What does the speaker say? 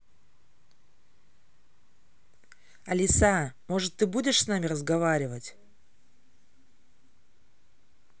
алиса может ты будешь с нами разговаривать